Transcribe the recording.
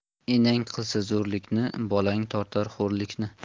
enang qilsa zo'rlikni bolang tortar xo'rlikni